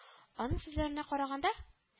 Аның сүзләренә караганда